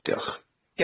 Diolch.